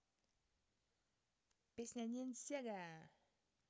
песня ниндзяго